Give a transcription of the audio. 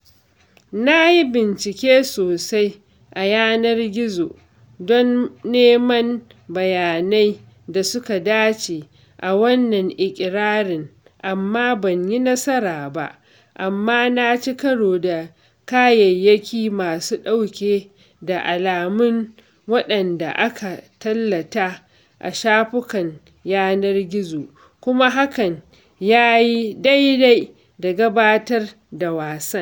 Na yi bincike sosai a yanar gizo don neman bayanai da suka dace da wannan iƙirarin amma ban yi nasara ba, amma na ci karo da kayayyaki masu ɗauke da alamun waɗanda aka tallata a shafukan yanar gizo, kuma hakan ya yi daidai da gabatar da wasan.